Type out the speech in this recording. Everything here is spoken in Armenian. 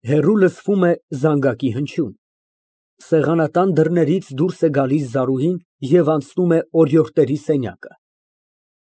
Հեռու լսվում է զանգակի հնչյուն։ Սեղանատան դռներից դուրս է գալիս Զարուհին և անցնում է օրիորդների սենյակները։